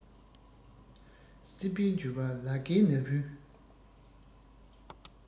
སྲིད པའི འབྱོར བ ལ ཁའི ན བུན